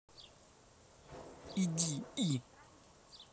иди и